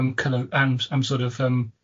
am colo- am s- am s- sor' of yym